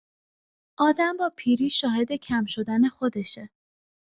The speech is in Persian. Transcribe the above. آدم با پیری شاهد کم‌شدن خودشه.